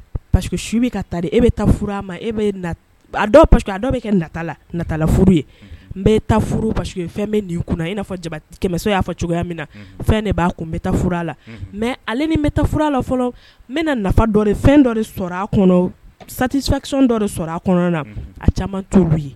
E bɛ a ma dɔw bɛ kɛtatala n fɛn bɛ kunna ia kɛmɛ y'a fɔ cogoya min na fɛn de b'a kun n la mɛ ale bɛ la fɔlɔ n bɛ dɔ dɔ a satifa dɔ a na a caman tuuru ye